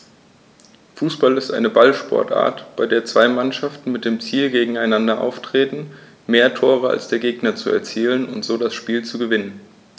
Fußball ist eine Ballsportart, bei der zwei Mannschaften mit dem Ziel gegeneinander antreten, mehr Tore als der Gegner zu erzielen und so das Spiel zu gewinnen.